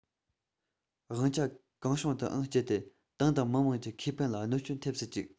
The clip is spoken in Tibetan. དབང ཆ གང བྱུང དུའང སྤྱད དེ ཏང དང མི དམངས ཀྱི ཁེ ཕན ལ གནོད སྐྱོན ཐེབས སུ བཅུག